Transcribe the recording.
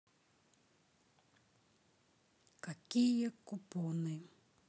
какие купоны